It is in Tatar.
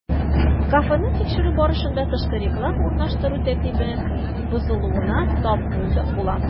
Кафены тикшерү барышында, тышкы реклама урнаштыру тәртибе бозылуына тап була.